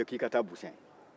u b'a f'i ye k'i ka taa busɛn